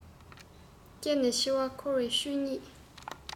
སྐྱེས ནས འཆི བ འཁོར བའི ཆོས ཉིད